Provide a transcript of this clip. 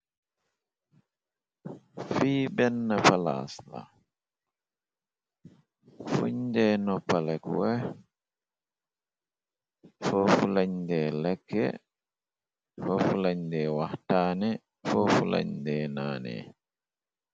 Fi benna palaas la fuñnde noppalekwe foofu lañ nde lekke foofu lañnde wax taane foofu lañ ndee naanee.